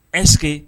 Ɛ